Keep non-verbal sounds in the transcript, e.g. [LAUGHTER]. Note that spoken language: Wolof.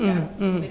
[HESITATION] [HESITATION]